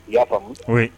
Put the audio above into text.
Y'a faamu kɔn